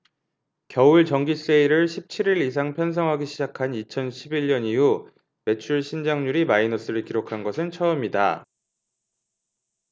겨울 정기세일을 십 칠 일 이상 편성하기 시작한 이천 십 일 년 이후 매출신장률이 마이너스를 기록한 것은 처음이다